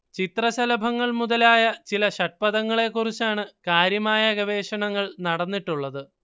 ചിത്രശലഭങ്ങൾ മുതലായ ചില ഷഡ്പദങ്ങളേക്കുറിച്ചാണ് കാര്യമായ ഗവേഷണങ്ങൾ നടന്നിട്ടുള്ളത്